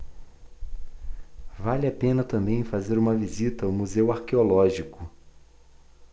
vale a pena também fazer uma visita ao museu arqueológico